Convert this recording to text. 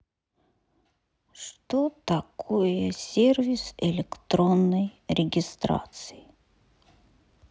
что такое сервис электронной регистрации